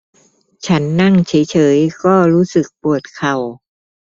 ฉันนั่งเฉยเฉยก็รู้สึกปวดเข่า